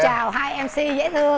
chào hai em si dễ thương